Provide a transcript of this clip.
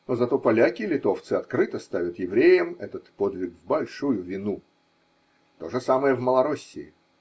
– а зато поляки и литовцы открыто ставят евреям этот подвиг в большую вину. То же самое в Малороссии.